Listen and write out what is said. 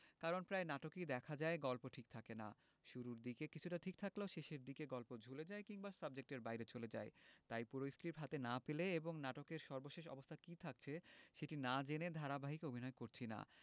কারণ প্রায় নাটকেই দেখা যায় গল্প ঠিক থাকে না শুরুর দিকে কিছুটা ঠিক থাকলেও শেষের দিকে গল্প ঝুলে যায় কিংবা সাবজেক্টের বাইরে চলে যায় তাই পুরো স্ক্রিপ্ট হাতে না পেলে এবং নাটকের সর্বশেষ অবস্থা কী থাকছে সেটি না জেনে ধারাবাহিকে অভিনয় করছি না